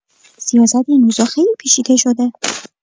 سیاست این روزا خیلی پیچیده شده.